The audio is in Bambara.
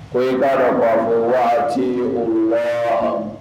Ko'a b'a fɔ waati u la